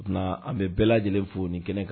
Na a bɛ bɛɛ lajɛlen fo, ni kɛnɛ kan